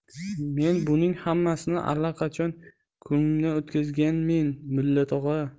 men buning hammasini allaqachon ko'nglimdan o'tkazganmen mulla tog'a